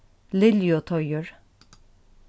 liljuteigur